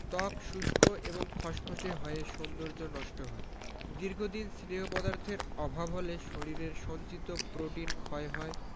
ত্বক শুষ্ক এবং খসখসে হয়ে সৌন্দর্য নষ্ট হয় দীর্ঘদিন স্নেহ পদার্থের অভাব হলে শরীরের সঞ্চিত প্রোটিন ক্ষয় হয়